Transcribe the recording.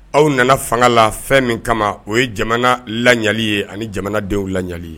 Aw nana fanga la fɛn min kama o ye jamana layali ye ani jamanadenw lali ye